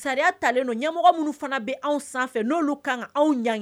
Sariya talen don ɲɛmɔgɔ minnu fana bɛ anw sanfɛ n'olu ka kan ka anw ɲanki